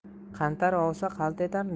qantar ovsa qalt etar